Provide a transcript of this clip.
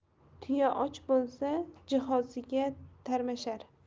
tuya och bo'lsa jihoziga tarmashar